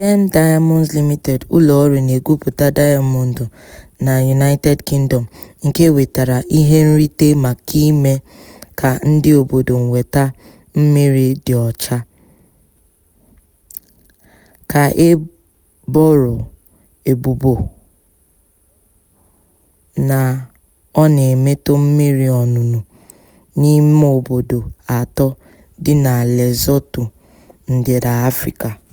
Gem Diamonds Limited, ụlọọrụ na-egwupụta dayamọndụ na United Kingdom nke nwetara ihenrite maka ime ka ndị obodo nweta mmiri dị ọcha, ka e boro ebubo na ọ na-emetọ mmiri ọṅụṅụ n'ime obodo atọ dị na Lesotho, ndịda Afrịka.